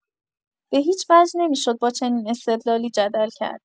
به‌هیچ‌وجه نمی‌شد با چنین استدلالی جدل کرد.